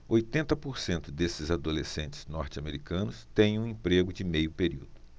oitenta por cento desses adolescentes norte-americanos têm um emprego de meio período